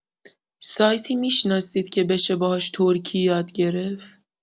سایتی می‌شناسید که بشه باهاش ترکی یاد گرفت؟